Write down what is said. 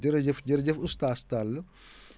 jërëjëf jërëjëf oustaz Sall waa